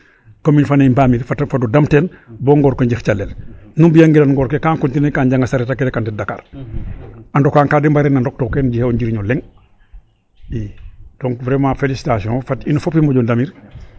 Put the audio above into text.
Nu mbi'angiran ngoor ke ga continuer ka njanga sareet ake rek a ndet Dacar a ndoka no ka da mbareerna ndok to kaaga jegee o njiriño leŋ i donc vraiment félicitation fat in fop i moƴo ndamir.